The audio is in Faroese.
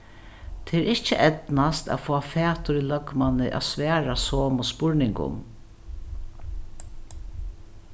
tað er ikki eydnast at fáa fatur í løgmanni at svara somu spurningum